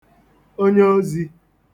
onyeozī